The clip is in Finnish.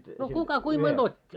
no kuka kuinka monta otti